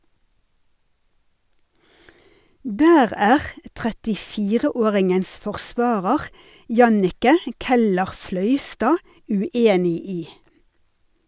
Der er 34-åringens forsvarer Jannicke Keller-Fløystad uenig i.